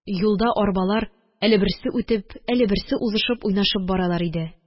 Юлда арбалар әле берсе үтеп, әле берсе узышып, уйнашып баралар иде.